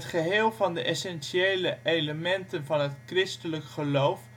geheel van de essentiële elementen van het christelijk geloof